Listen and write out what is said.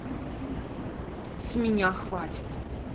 с меня хватит